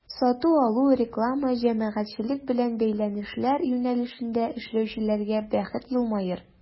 Сату-алу, реклама, җәмәгатьчелек белән бәйләнешләр юнәлешендә эшләүчеләргә бәхет елмаер.